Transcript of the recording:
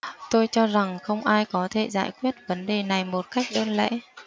tôi cho rằng không ai có thể giải quyết vấn đề này một cách đơn lẻ